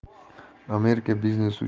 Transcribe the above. amerika biznesi uchun